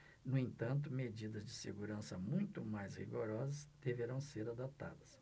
no entanto medidas de segurança muito mais rigorosas deverão ser adotadas